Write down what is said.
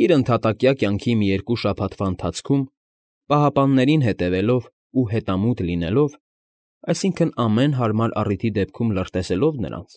Իր ընդհատակյա կյանքի մի երկու շաբաթվա ընթացքում, պահապաններին հետևելով ու հետամուտ լինելով, այսինքն՝ ամեն հարմար առիթի դեպքում լրտեսելով նրանց,